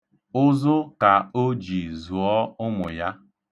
Ụzụ ka o ji zụọ ụmụ ya.